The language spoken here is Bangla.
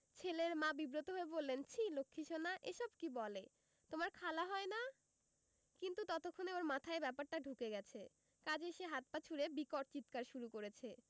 ছেলের মা বিব্রত হয়ে বললেন ছিঃ লক্ষীসোনা এসব কি বলে তোমার খালা হয় না কিন্তু ততক্ষণে ওর মাথায় ব্যাপারটা ঢুকে গেছে কাজেই সে হাত পা ছুড়ে বিকট চিৎকার শুরু করেছে